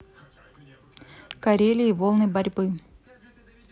карелии волны борьба